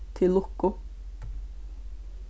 til lukku